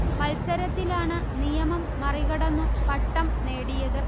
മല്സരത്തിലാണ് നിയമം മറികടന്നു പട്ടം നേടിയത്